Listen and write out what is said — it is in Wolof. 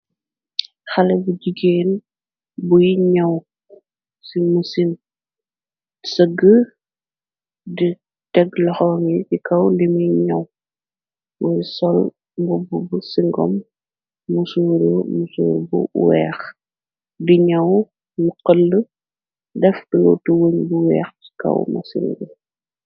Xale bu jigeen buy ñaw ci musin së g di teg loxo ngi ci kaw limiy ñaw wuy sol bub bu singom musuuru musuur bu weex di ñaw nu xël def t luutu wëñ bu weex i kaw ma sin gi